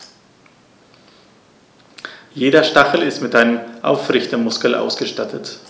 Jeder Stachel ist mit einem Aufrichtemuskel ausgestattet.